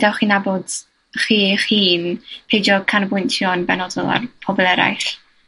dewch i nabod chi eich hun, peidio canolbwyntio yn benodol ar pobol eraill.